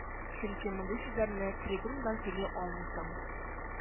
Чөнки мондый сүзләрне трибунадан сөйли алмыйсың